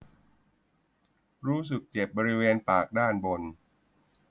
รู้สึกเจ็บบริเวณปากด้านบน